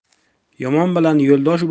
yomon bilan yo'ldosh